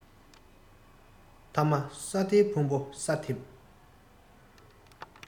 ཐ མ ས རྡོའི ཕུང པོ ས ཐིམ